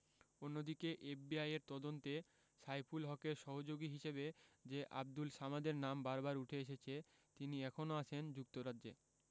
অন্যদিকে এফবিআইয়ের তদন্তে সাইফুল হকের সহযোগী হিসেবে যে আবদুল সামাদের নাম বারবার উঠে এসেছে তিনি এখনো আছেন যুক্তরাজ্যে